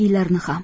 yillarini ham